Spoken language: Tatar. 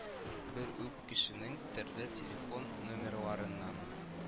Бер үк кешенең төрле телефон номерларыннан